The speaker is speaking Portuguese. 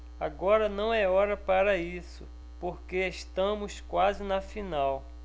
agora não é hora para isso porque estamos quase na final